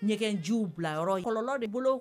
Nɛgɛgɛnjuw bilayɔrɔ kɔlɔlɔ de bolo